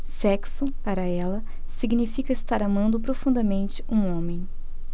sexo para ela significa estar amando profundamente um homem